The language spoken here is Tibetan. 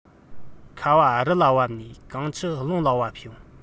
ཁ བ རི ལ བབ ནས གངས ཆུ ཀླུང ལ བབ བྱུང